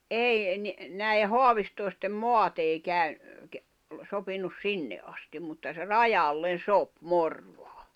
ei niin näiden haavistoisten maat ei -- sopinut sinne asti mutta se rajalle sopi Morvaan